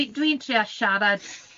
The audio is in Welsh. Na, dwi, dwi'n trio siarad,